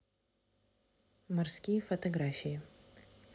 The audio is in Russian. морские фотографии